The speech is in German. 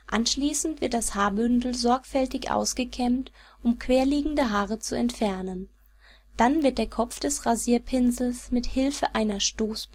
Anschließend wird das Haarbündel sorgfältig ausgekämmt, um querliegende Haare zu entfernen. Dann wird der Kopf des Rasierpinsels mit Hilfe einer „ Stoßbüchse